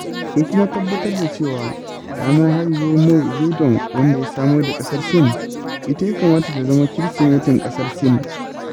Sun kuma tabbatar da cewa ranar haihuwar Mao Zedong, wanda ya samar da ƙasar Sin, ita ya kamata ta zama Kirsimetin ƙasar Sin.